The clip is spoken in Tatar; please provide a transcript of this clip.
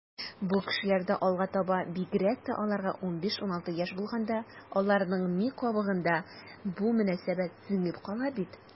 Бу кешеләрдә алга таба, бигрәк тә аларга 15-16 яшь булганда, аларның ми кабыгына бу мөнәсәбәт сеңеп кала бит.